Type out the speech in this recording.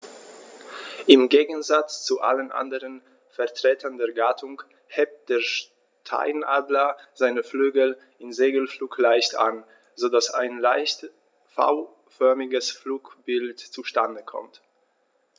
Im Gegensatz zu allen anderen Vertretern der Gattung hebt der Steinadler seine Flügel im Segelflug leicht an, so dass ein leicht V-förmiges Flugbild zustande kommt.